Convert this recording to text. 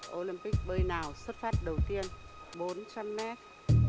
ô lim pích bơi nào xuất phát đầu tiên bốn trăm mét